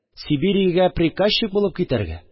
Сибириягә приказчик булып китәргә